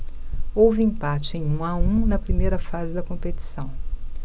houve empate em um a um na primeira fase da competição